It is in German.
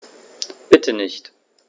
Bitte nicht.